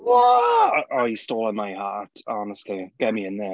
What?! He's stolen my heart honestly. Get me in there.